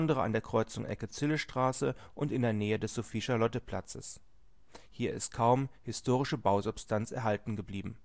an der Kreuzung Ecke Zillestraße und in der Nähe des Sophie-Charlotte-Platzes. Hier ist kaum historische Bausubstanz erhalten geblieben